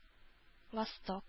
Восток